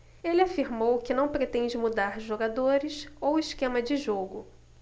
ele afirmou que não pretende mudar jogadores ou esquema de jogo